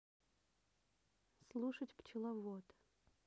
слушать пчеловод